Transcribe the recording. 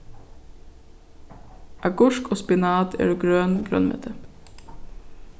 agurk og spinat eru grøn grønmeti